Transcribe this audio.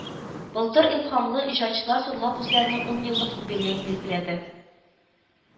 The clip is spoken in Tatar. Былтыр илһамлы иҗатчылар зурлап үзләренең ун еллык юбилеен билгеләде